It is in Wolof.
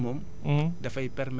mais booyal moom